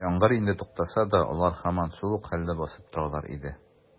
Яңгыр инде туктаса да, алар һаман да шул ук хәлдә басып торалар иде.